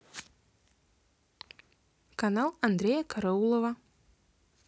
канал андрея караулова